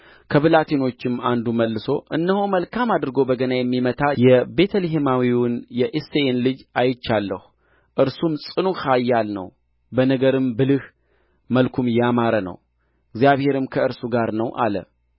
ከብላቴኖቹም አንዱ መልሶ እነሆ መልካም አድርጎ በገና የሚመታ የቤተ ልሔማዊውን የእሴይን ልጅ አይቻለሁ እርሱም ጽኑዕ ኃያል ነው በነገርም ብልህ መልኩም ያማረ ነው እግዚአብሔርም ከእርሱ ጋር ነው አለ